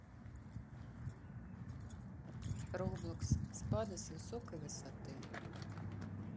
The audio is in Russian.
roblox спада с высокой высоты